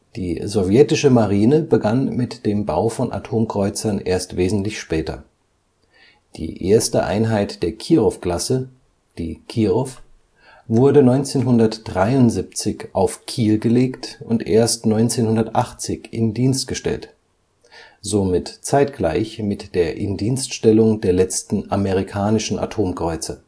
Die sowjetische Marine begann mit dem Bau von Atomkreuzern erst wesentlich später. Die erste Einheit der Kirow-Klasse, die Kirow, wurde 1973 auf Kiel gelegt und erst 1980 in Dienst gestellt, somit zeitgleich mit der Indienststellung der letzten amerikanischen Atomkreuzer